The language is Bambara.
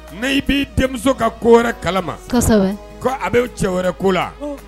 Ni bi denmuso ka ko wɛrɛ kalama. kosɛbɛ . ko a bi cɛ wɛrɛ ko la